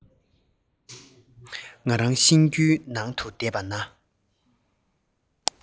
ང རང ཤིང གྲུའི ནང དུ བསྡད པ ན